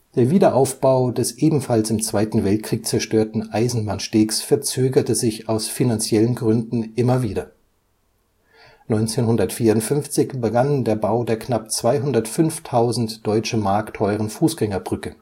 Wiederaufbau des ebenfalls im Zweiten Weltkrieg zerstörten Eisenbahnstegs verzögerte sich aus finanziellen Gründen immer wieder. 1954 begann der Bau der knapp 205.000 Deutsche Mark teuren Fußgängerbrücke